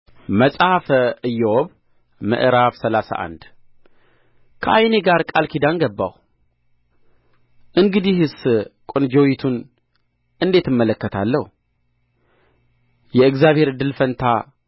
መጽሐፈ ኢዮብ ምዕራፍ ሰላሳ አንድ ከዓይኔ ጋር ቃል ኪዳን ገባሁ እንግዲህስ ቈንጆይቱን እንዴት እመለከታለሁ የእግዚአብሔር እድል ፈንታ